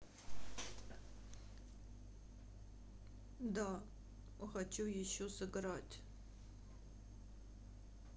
да хочу еще сыграть